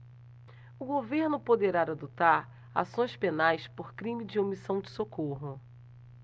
o governo poderá adotar ações penais por crime de omissão de socorro